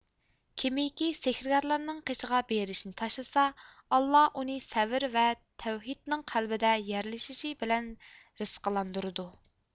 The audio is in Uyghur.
كېمىكى سېھىرگەرلەرنىڭ قېشىغا بېرىشنى تاشلىسا ئاللا ئۇنى سەۋر ۋە تەۋھىدنىڭ قەلبىدە يەرلىشىشى بىلەن رىزقىلاندۇرىدۇ